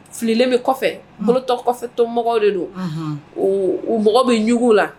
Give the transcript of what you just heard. Fililen bɛ kɔfɛtɔ kɔfɛtɔmɔgɔw de don u mɔgɔ bɛ jugu la